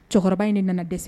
Cɛkɔrɔba in de nana dɛsɛ